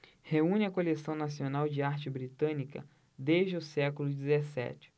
reúne a coleção nacional de arte britânica desde o século dezessete